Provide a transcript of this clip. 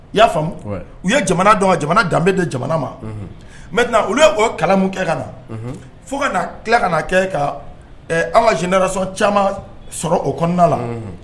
I ya faamu . U ye jamana dɔn ka jamana danbe di jamana denw ma. maintenant olu yo kalan min kɛ ka na, fo ka kila ka na kɛ ka anw ka génération caman sɔrɔ o kɔnɔna la.